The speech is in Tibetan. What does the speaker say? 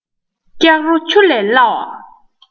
སྐྱག རོ ཆུ ལས སླ བ